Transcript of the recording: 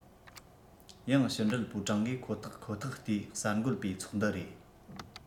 དབྱང ཕྱི འབྲེལ པུའུ ཀྲང གིས ཁོ ཐག ཁོ ཐག བལྟས གསར འགོད པའི ཚོགས འདུའི རེད